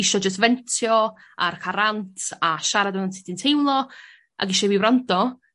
isio jyst fentio a ca' rant a siarad a sut ti'n teimlo ag isia fi wrando